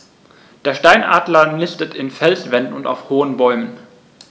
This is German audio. Der Steinadler nistet in Felswänden und auf hohen Bäumen.